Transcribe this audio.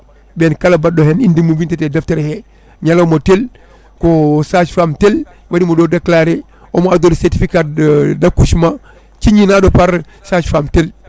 ɓen kala mbaɗɗo hen inde mum windete e deftere he ñalawma tel ko sage femme tel waɗimo ɗo déclaré omo addori certificat de d' accouchement ciññinaɗo par sage femme tel